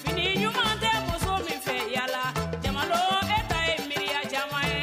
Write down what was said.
fini ɲuman tɛ muso min fɛ yala la jamakɛ ta ye mi caman ye